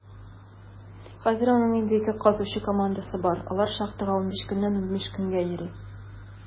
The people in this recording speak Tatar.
Хәзер аның инде ике казучы командасы бар; алар шахтага 15 көннән 15 көнгә йөри.